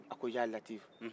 a ko ya laatif